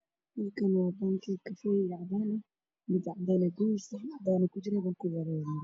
Keegan waa kafee bangi iyo caddaan ah